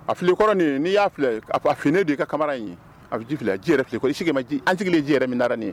A fili kɔrɔɔrɔn n'i y'a fila a a fini ne de' ka kamara in a bɛ ji ji yɛrɛkɔrɔ si ma ji an sigilen ji yɛrɛ min na nin ye